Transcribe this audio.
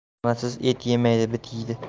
mehnatsiz et yemaydi bit yeydi